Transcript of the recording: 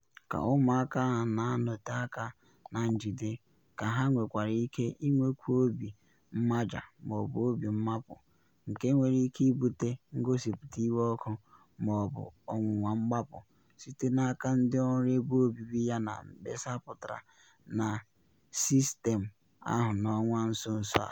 Ka ụmụaka ahụ na anọte aka na njide, ka ha nwekwara ike ịnwekwu obi mmaja ma ọ bụ obi mmapụ, nke nwere ike ibute ngosipụta iwe ọkụ ma ọ bụ ọnwụnwa mgbapụ, site n’aka ndị ọrụ ebe obibi yana mkpesa pụtara na sistemụ ahụ n’ọnwa nso nso a.